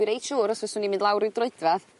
Dwi reit siŵr os fyswn i'n mynd lawr ryw droedfadd